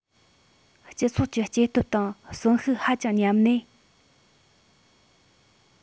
སྤྱི ཚོགས ཀྱི སྐྱེ སྟོབས དང གསོན ཤུགས ཧ ཅང ཉམས ནས